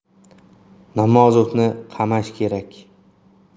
namozovni qamash kerak